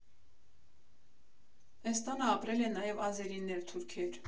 Էս տանը ապրել են նաև ազերիներ, թուրքեր։